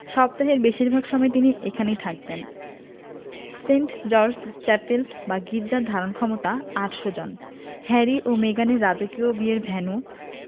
সপ্তাহের বেশির ভাগ সময় তিনি এখানেই থাকতেন সেন্ট জর্জেস চ্যাপেল বা গির্জার ধারণক্ষমতা ৮০০ জন হ্যারি মেগানের রাজকীয় বিয়ের ভেন্যু